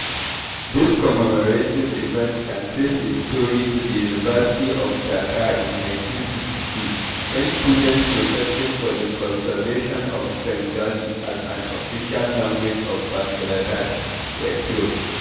This commemorative event can can trace its story to the University of Dhaka in 1952 when students protesting for the conservation of Bengali as an official language of Bangladesh (then East Pakistan) were killed.